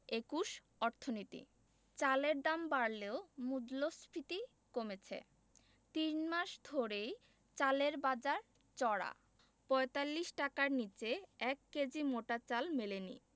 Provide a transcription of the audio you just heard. ২১ অর্থনীতি চালের দাম বাড়লেও মূল্যস্ফীতি কমেছে তিন মাস ধরেই চালের বাজার চড়া ৪৫ টাকার নিচে ১ কেজি মোটা চাল মেলেনি